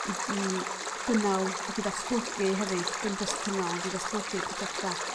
i i gynnal ac i ddatblygu hefyd dim jyst cynnal ond i ddatblygu projecte